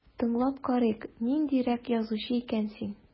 Тыңлап карыйк, ниндирәк язучы икән син...